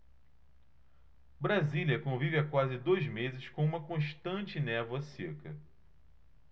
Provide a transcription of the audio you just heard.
brasília convive há quase dois meses com uma constante névoa seca